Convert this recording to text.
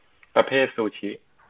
ประเภทซูชิ